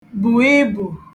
bù ibù